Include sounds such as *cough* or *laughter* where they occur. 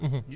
*hesitation* *hesitation*